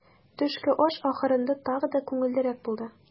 Төшке аш ахырында тагы да күңеллерәк булды.